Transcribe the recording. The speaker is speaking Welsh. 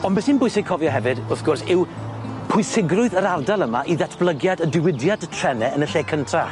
On' be' sy'n bwysig cofio hefyd, wrth gwrs, yw pwysigrwydd yr ardal yma i ddatblygiad y diwydiad trene yn y lle cynta.